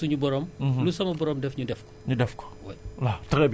mais li ñuy assurer mooy loo xam ne wóoru la wóoru ma